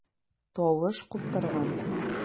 Тавыш куптарган.